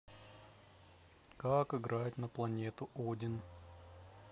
как играть на планету один